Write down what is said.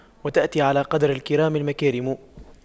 وتأتي على قدر الكرام المكارم